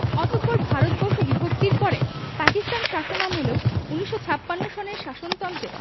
অতপর ভারতবর্ষ বিভক্তির পরে পাকিস্তান শাসনামলেও ১৯৫৬ সনের শাসনন্ত্রে